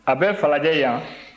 a bɛ falajɛ yan